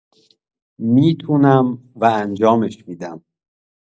می‌تونم، و انجامش می‌دم.